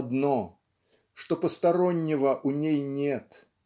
одно, что постороннего у ней нет